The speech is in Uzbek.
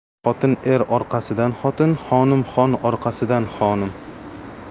xotin er orqasidan xotin xonim xon orqasidan xonim